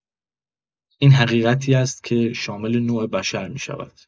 این حقیقتی است که شامل نوع بشر می‌شود.